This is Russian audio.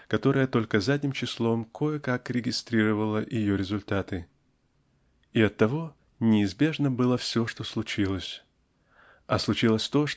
которое только задним числом кое-как регистрировало ее результаты. И оттого неизбежно было все что случилось а случилось то